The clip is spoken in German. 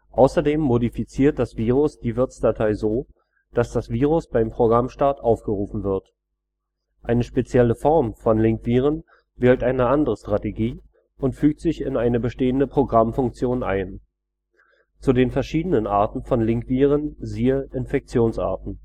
Außerdem modifiziert das Virus die Wirtsdatei so, dass das Virus beim Programmstart aufgerufen wird. Eine spezielle Form von Linkviren wählt eine andere Strategie und fügt sich in eine bestehende Programmfunktion ein. Zu den verschiedenen Arten von Linkviren siehe Infektionsarten